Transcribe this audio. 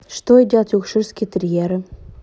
что едят йоркширские терьеры